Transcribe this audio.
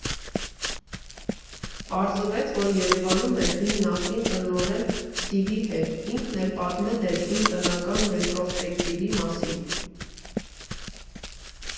Պարզվեց, որ Երևանում էր իմ նախկին տնօրեն Սթիվի հետ, ինքն էլ պատմել էր իմ տնական ռետրոսպեկտիվի մասին։